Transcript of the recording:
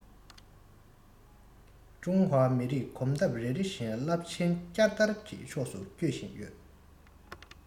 ཀྲུང ཧྭ མི རིགས གོམ སྟབས རེ རེ བཞིན རླབས ཆེན བསྐྱར དར གྱི ཕྱོགས སུ སྐྱོད བཞིན ཡོད